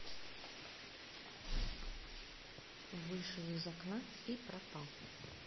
вышел из окна и пропал